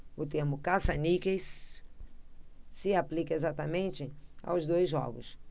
o termo caça-níqueis se aplica exatamente aos dois jogos